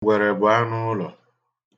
Ngwere bụ anụ ụlọ.